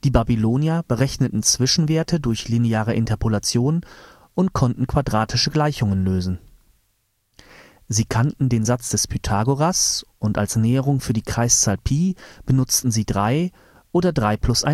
Babylonier berechneten Zwischenwerte durch lineare Interpolation und konnten quadratische Gleichungen lösen. Sie kannten den Satz des Pythagoras und als Näherung für die Kreiszahl π benutzten sie 3 oder 3+1/8